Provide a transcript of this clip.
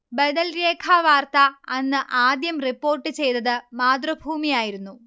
ബദൽരേഖാ വാർത്ത അന്ന് ആദ്യം റിപ്പോർട്ട് ചെയ്തത് മാതൃഭൂമിയായിരുന്നു